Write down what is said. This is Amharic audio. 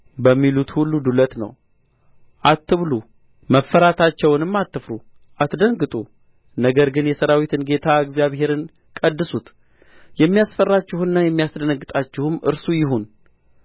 በሚሉት ሁሉ ዱለት ነው አትበሉ መፈራታቸውንም አትፍሩ አትደንግጡ ነገር ግን የሠራዊት ጌታ እግዚአብሔርን ቀድሱት የሚያስፈራችሁና የሚያስደነግጣችሁም እርሱ ይሁን